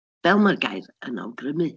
Fel mae'r gair yn awgrymu.